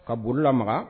Ka bolo laga